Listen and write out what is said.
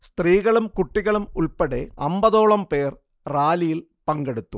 സ്ത്രീകളും കുട്ടികളും ഉൾപ്പെടെ അമ്പതോളം പേർ റാലിയിൽ പങ്കെടുത്തു